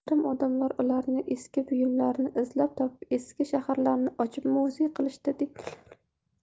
ayrim odamlar ularni eski buyumlarni izlab topib eski shaharlarni ochib muzey qilishadi deydilar